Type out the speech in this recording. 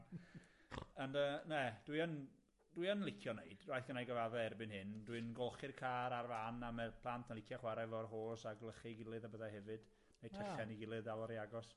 ... ond yy, na, dwi yn, dwi yn licio neud, raid gynna i gyfadde erbyn hyn, dwi'n golchi'r car a'r fan, a ma'r plant yn licio chwarae efo'r hos a gwlychu ei gilydd a bethe hefyd, wneud tyllau yn ei gilydd daw e ry agos.